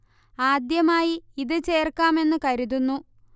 ആദ്യമായി ഇത് ചേർക്കാമെന്നു കരുതുന്നു